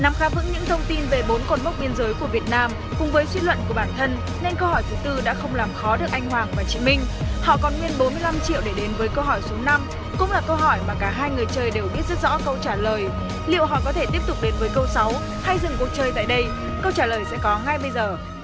nắm khá vững những thông tin về bốn cột mốc biên giới của việt nam cùng với suy luận của bản thân nên câu hỏi thứ tư đã không làm khó được anh hoàng và chị minh họ còn nguyên bốn mươi lăm triệu để đến với câu hỏi số năm cũng là câu hỏi mà cả hai người chơi đều biết rất rõ câu trả lời liệu họ có thể tiếp tục đến với câu sáu hay dừng cuộc chơi tại đây câu trả lời sẽ có ngay bây giờ